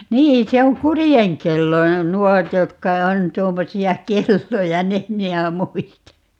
niin se on kurjenkelloja nuo jotka on tuommoisia kelloja nyt minä muistan